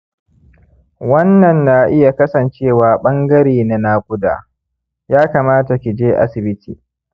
wannan na iya kasancewa ɓangare na naƙuda; ya kamata ki je asibiti.